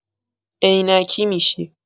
عینکی می‌شی.